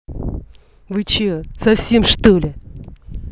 вы че совсем чтоли